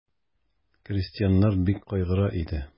Крестьяннар бик кайгыра иде.